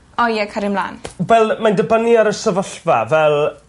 o ie cario mlan. Fel mae'n dibynnu ar y sefyllfa fel